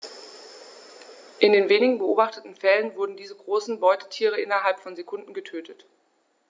In den wenigen beobachteten Fällen wurden diese großen Beutetiere innerhalb von Sekunden getötet.